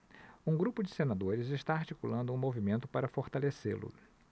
um grupo de senadores está articulando um movimento para fortalecê-lo